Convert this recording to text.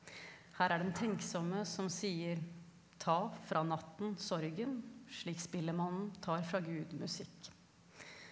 her er den tenksomme som sier ta fra natten sorgen slik spillemannen tar fra gud musikk.